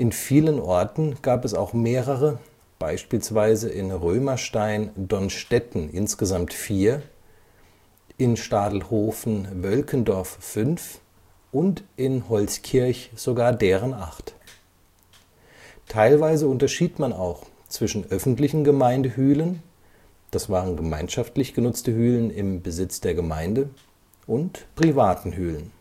vielen Orten gab es auch mehrere, beispielsweise in Römerstein-Donnstetten insgesamt vier, in Stadelhofen-Wölkendorf fünf und in Holzkirch sogar deren acht. Teilweise unterschied man auch zwischen öffentlichen Gemeindehülen – das waren gemeinschaftlich genutzte Hülen im Besitz der Gemeinde – und privaten Hülen